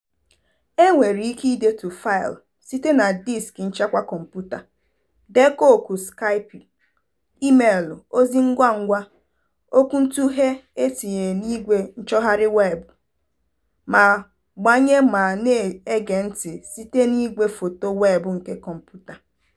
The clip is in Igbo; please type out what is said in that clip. O nwere ike idetu faịlụ site na diski nchekwa kọmpụta, dekọọ oku Skype, imeelụ, ozi ngwa ngwa, okwuntụghe e tinyere n'igwe nchọgharị weebụ, ma gbanye ma na-ege ntị site n'igwe foto weebụ nke kọmputa.